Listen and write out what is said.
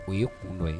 O ye kun dɔ ye